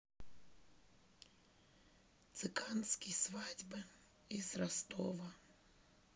цыганские свадьбы из ростова